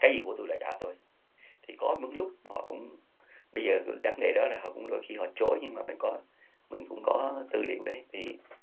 cái gì của tôi là trả tôi thì có lúc họ cũng bây giờ vững chắc để đó là họ cũng đôi khi họ chối nhưng mà mình có mình cũng có tư liệu đấy thì